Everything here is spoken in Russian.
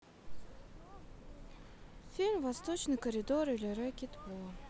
фильм восточный коридор или рэкет по